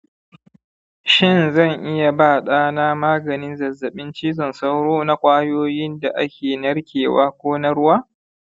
shin zan iya ba ɗana maganin zazzaɓin cizon sauro na ƙwayoyin da ake narkewa ko na ruwa